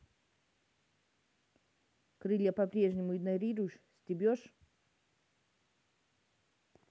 крылья по прежнему игнорируешь стебешь